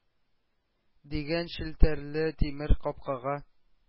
Дигән челтәрле тимер капкага